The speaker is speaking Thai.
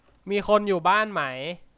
มีคนอยู่บ้านไหม